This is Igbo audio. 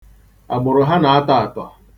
Agbụrụ ha na-atọ atọ.